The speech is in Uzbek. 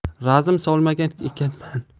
razm solmagan ekanman